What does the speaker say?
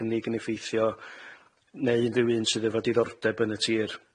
cynnig yn effeithio neu unryw un sydd efo diddordeb yn y tir.